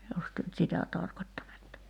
jos te nyt sitä tarkoittanette